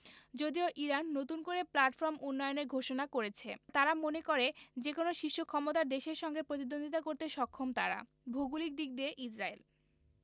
যদিও ইরান নতুন করে প্ল্যাটফর্ম উন্নয়নের ঘোষণা করেছে তারা মনে করে যেকোনো শীর্ষ ক্ষমতার দেশের সঙ্গে প্রতিদ্বন্দ্বিতা করতে সক্ষম তারা ভৌগোলিক দিক দিয়ে ইসরায়েল